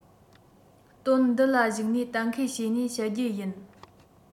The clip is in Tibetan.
དོན འདི ལ གཞིགས ནས གཏན འཁེལ བྱས ནས བཤད རྒྱུ ཡིན